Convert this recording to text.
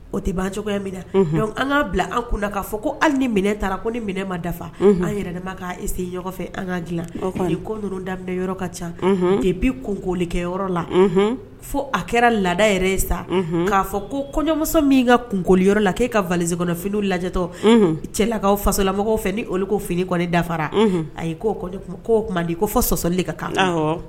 O tɛ ban cogoya min dɔnku an bila an kun' fɔ ko hali ni minɛ taarara ko ni ma dafa an yɛrɛse fɛ an ka dila ko daminɛ yɔrɔ ka ca k' bi kunkolikɛ yɔrɔ la fo a kɛra laada yɛrɛ sa k'a fɔ ko kojɔmuso min kagoliyɔrɔ la k'e ka vzseekɔnɔ fini lajɛtɔ cɛlakaw fasolamɔgɔw fɛ ni' ko fini dafara a o di ko fɔ sɔsɔli ka kan